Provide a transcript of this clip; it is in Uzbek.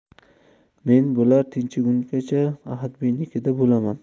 men bular tinchiguncha ahadbeynikida bo'laman